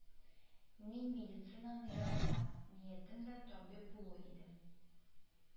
Мин медицинаны яратам, ниятем дә табиб булу иде